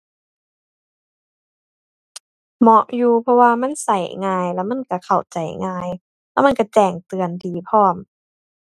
เหมาะอยู่เพราะว่ามันใช้ง่าย ละมันใช้เข้าใจง่าย ละมันใช้แจ้งเตือนดีพร้อม